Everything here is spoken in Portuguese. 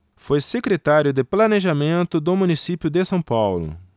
foi secretário de planejamento do município de são paulo